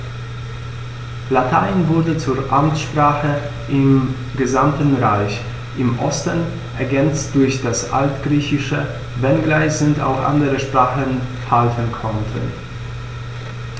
Latein wurde zur Amtssprache im gesamten Reich (im Osten ergänzt durch das Altgriechische), wenngleich sich auch andere Sprachen halten konnten.